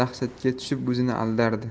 dahshatga tushib o'zini aldardi